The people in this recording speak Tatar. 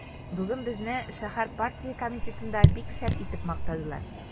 Бүген безне шәһәр партия комитетында бик шәп итеп мактадылар.